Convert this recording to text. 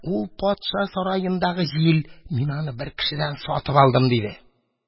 Ул патша сараендагы җил, мин аны бер кешедән сатып алдым, – диде.